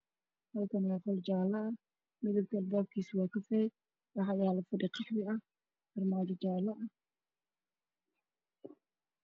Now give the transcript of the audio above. Halkan waa fal midabka albaabkiisa waa kafee waxaa yaalla fadhi fadhiya midabkiisa waa qaawi